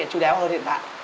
chu đáo hơn hiện tại